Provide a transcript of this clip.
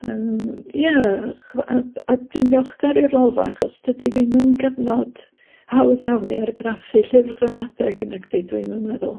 yym ia ch'bo' a a dwi'n ddiolchgar i'r Lolfa achos dydi ddim yn gyfnod hawdd iawn i argraffu llyfr gramadeg nag 'di dwi 'im yn meddwl.